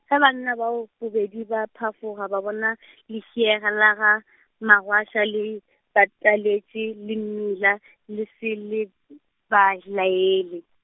ge banna bao bobedi ba phafoga ba bona , lefšega la ga , Mogwaša le, bataletše le mmila , le se le , ba laele.